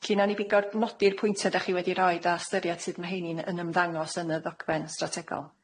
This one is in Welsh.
Felly newn ni bigo'r- nodi'r pwyntia' dach chi wedi roid, a ystyriad sud ma' 'heini'n yn ymddangos yn y ddogfen strategol.